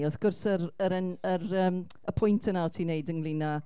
Wrth gwrs, yr... yr yym yr yym y pwynt yna o't ti'n ei wneud ynglyn â